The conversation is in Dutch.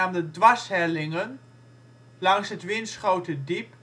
de zg. dwarshellingen) langs het Winschoterdiep